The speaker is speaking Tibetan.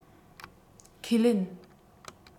ཁས ལེན